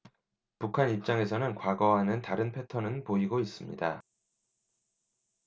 북한 입장에서는 과거와는 다른 패턴은 보이고 있습니다